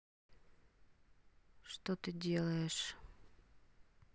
что ты делаешь